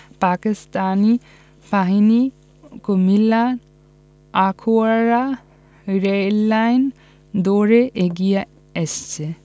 পাকিস্তানি বাহিনী কুমিল্লার আখাউড়া রেললাইন ধরে এগিয়ে আসছে